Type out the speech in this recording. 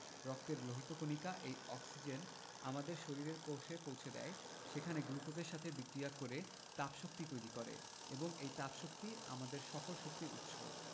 রক্তের লোহিত কণিকা এই অক্সিজেন আমাদের শরীরের কোষে পৌছে দেয় সেখানে গ্লুকোজের সাথে বিক্রিয়া করে তাপশক্তি তৈরি করে এবং এই তাপশক্তি আমাদের সকল শক্তির উৎস